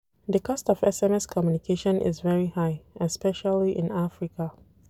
The cost of SMS communication is very high, especially in Africa.